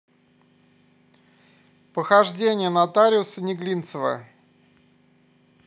похождения нотариуса неглинцева